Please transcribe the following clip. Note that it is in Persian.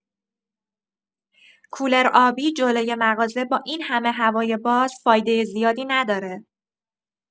کولر آبی جلوی مغازه با این همه هوای باز فایده زیادی نداره.